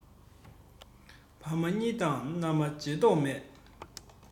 ཕ མ གཉིས དང མནའ མ བརྗེ མདོག མེད